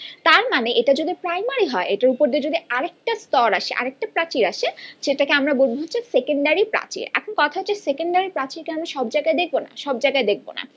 তার মানে এটা যদি প্রাইমারি হয় এটার উপর দিয়ে যদি আরেকটা স্তর আসে আরেকটা প্রাচীর আসে সেটাকে আমরা বলব হচ্ছে সেকেন্ডারি প্রাচীর কথা হচ্ছে সেকেন্ডারি প্রাচীর কে আমরা সব জায়গায় দেখব না